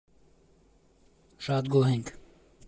Շատ գոհ ենք։